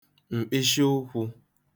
mkpịshị ụkwū